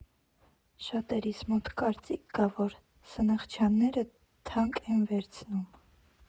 Շատերի մոտ կարծիք կա, որ Սնխչյանները թանկ են վերցնում։